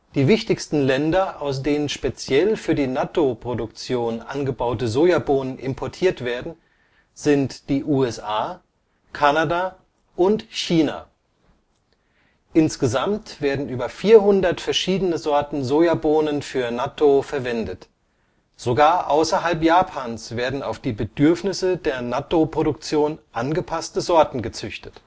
Die wichtigsten Länder, aus denen speziell für die Nattō-Produktion angebaute Sojabohnen importiert werden, sind die USA, Kanada und China. Insgesamt werden über 400 verschiedene Sorten Sojabohnen für Nattō verwendet, sogar außerhalb Japans werden auf die Bedürfnisse der Nattō-Produktion angepasste Sorten gezüchtet